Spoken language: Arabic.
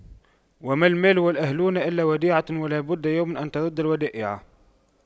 وما المال والأهلون إلا وديعة ولا بد يوما أن تُرَدَّ الودائع